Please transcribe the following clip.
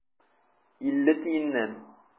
Илле тиеннән.